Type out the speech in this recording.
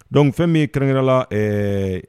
Donc fɛn min ye kɛrɛn kɛrɛnya la ɛɛ